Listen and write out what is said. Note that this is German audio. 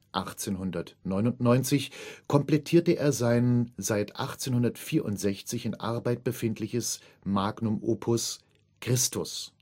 1899 komplettierte er sein seit 1864 in Arbeit befindliches Magnum Opus Christus